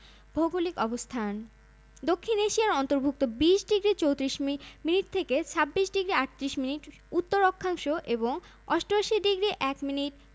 সরকারি নামঃ গণপ্রজাতন্ত্রী বাংলাদেশ রাজধানীঃ ঢাকা সরকারঃ সংসদীয় সরকার ব্যবস্থা রাষ্ট্রপতি রাষ্ট্রপ্রধানের দায়িত্ব পালন করেন এবং প্রধানমন্ত্রী সরকার প্রধানের দায়িত্ব পালন করেন